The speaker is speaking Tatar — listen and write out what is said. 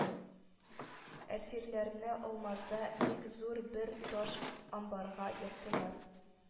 Әсирләрне Алмазда бик зур бер таш амбарга яптылар